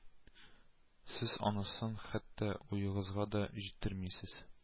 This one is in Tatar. Сез анысын хәтта уегызга да житермисез